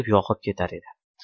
yoqib ketar edi